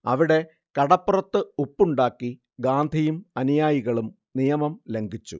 അവിടെ കടപ്പുറത്ത് ഉപ്പുണ്ടാക്കി ഗാന്ധിയും അനുയായികളും നിയമം ലംഘിച്ചു